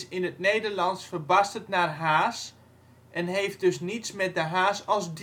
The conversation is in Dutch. in het Nederlands verbasterd naar haas, en heeft dus niets met de haas als